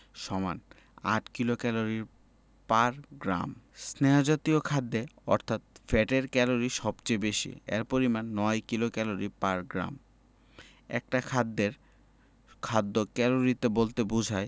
সমান ৮ kilocalorie per gram স্নেহ জাতীয় খাদ্যে অর্থাৎ ফ্যাটের ক্যালরি সবচেয়ে বেশি এর পরিমান ৯ কিলোক্যালরি পার গ্রাম একটা খাদ্যের খাদ্য ক্যালোরি বলতে বোঝায়